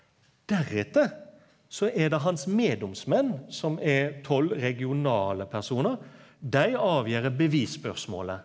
deretter så er det hans meddomsmenn som er tolv regionale personar, dei avgjer bevisspørsmålet.